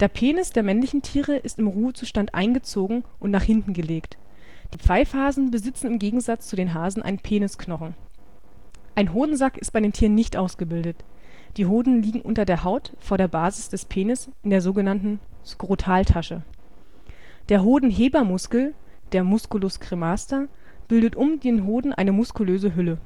Der Penis der männlichen Tiere ist im Ruhezustand eingezogen und nach hinten gelegt, die Pfeifhasen besitzen im Gegensatz zu den Hasen einen Penisknochen. Ein Hodensack ist bei den Tieren nicht ausgebildet; die Hoden liegen unter der Haut vor der Basis des Penis in der so genannten Skrotaltasche. Der Hodenhebermuskel (Musculus cremaster) bildet um den Hoden eine muskulöse Hülle